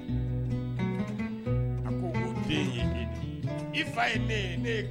I fa ye